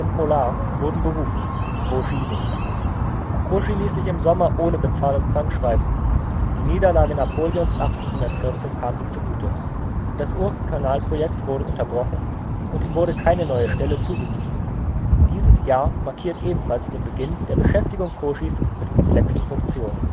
Molard wurden berufen, Cauchy nicht. Cauchy ließ sich im Sommer ohne Bezahlung krank schreiben. Die Niederlage Napoléons 1814 kam ihm zugute: Das Ourcq-Kanalprojekt wurde unterbrochen, und ihm wurde keine neue Stelle zugewiesen. Dieses Jahr markiert ebenfalls den Beginn der Beschäftigung Cauchys mit komplexen Funktionen